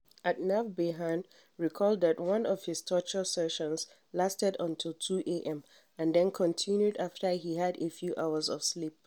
Atnaf Berhane recalled that one of his torture sessions lasted until 2 a.m. and then continued after he had a few hours of sleep.